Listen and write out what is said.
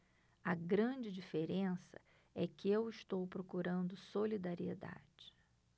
a grande diferença é que eu estou procurando solidariedade